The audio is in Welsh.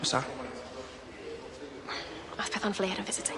Wha's tha'? Ath petha'n flêr yn visiting.